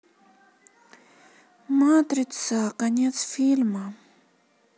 матрица конец фильма